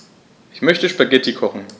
Ich möchte Spaghetti kochen.